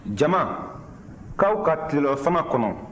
jama k'aw ka tilerɔfana kɔnɔ